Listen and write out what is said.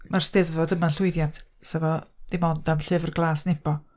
Ma'r 'Steddfod yma'n llwyddiant, 'sa fo ddim ond am 'Llyfr Glas Nebo'.